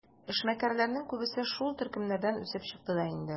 Эшмәкәрләрнең күбесе шул төркемнәрдән үсеп чыкты да инде.